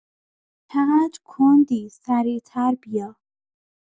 چقدر کندی سریع‌تر بیا